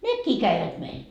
nekin kävivät meillä